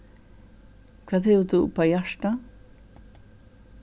hvat hevur tú upp á hjarta